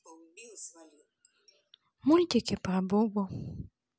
мультики про бубу